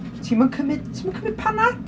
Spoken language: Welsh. Ti'm yn cymryd, ti'm yn cymryd panad?